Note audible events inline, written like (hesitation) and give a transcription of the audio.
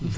(hesitation)